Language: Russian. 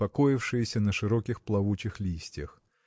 покоившиеся на широких плавучих листьях.